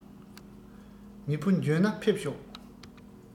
མི ཕོ འཇོན ན ཕེབས ཤོག